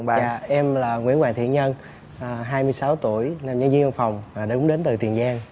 dạ em là nguyễn hoàng thiện nhân à hai mươi sáu tuổi là nhân viên phòng và cũng đến từ tiền giang